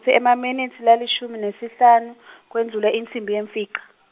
Emaminitsi lalishumi nesihlanu , kwendlule insimbi yemfica.